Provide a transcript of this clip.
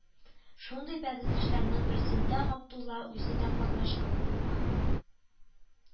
Шундый бәрелешләрнең берсендә Габдулла үзе дә катнашкан булган